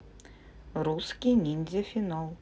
русский ниндзя финал